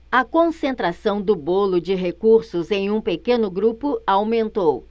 a concentração do bolo de recursos em um pequeno grupo aumentou